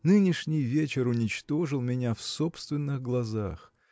Нынешний вечер уничтожил меня в собственных глазах.